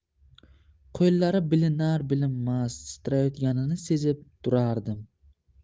qo'llari bilinar bilinmas titrayotganini sezib turardim